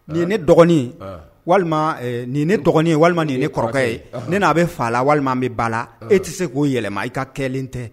Nin ye ne dɔgɔnin walima nin ne walima nin ne kɔrɔkɛ ye ne n'a bɛ fa la walima n bɛ ba la e tɛ se k'o yɛlɛma i ka kɛ tɛ